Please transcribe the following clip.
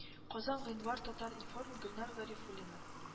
Казан гыйнвар татар-информ гөлнар гарифуллина